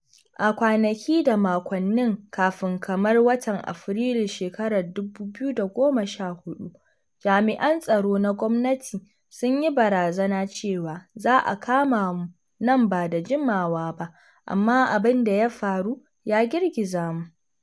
A kwanaki da makonnin kafin kamar watan Afrilu 2014, jami’an tsaro na gwamnati sun yi barazana cewa za a kama mu nan ba da jimawa ba, amma abin da ya faru ya girgiza mu.